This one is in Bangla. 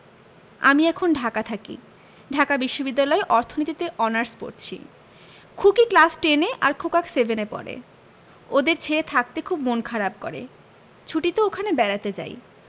আমি এখন ঢাকা থাকি ঢাকা বিশ্ববিদ্যালয়ে অর্থনীতিতে অনার্স পরছি খুকি ক্লাস টেন এ আর খোকা সেভেন এ পড়ে ওদের ছেড়ে থাকতে খুব মন খারাপ করে ছুটিতে ওখানে বেড়াতে যাই